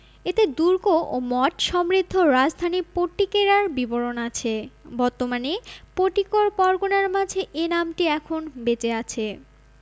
এতে দুর্গ ও মঠ সমৃদ্ধ রাজধানী পট্টিকেরা র বিবরণ আছে বর্তমানে পটিকর পরগনার মাঝে এ নামটি এখন বেঁচে আছে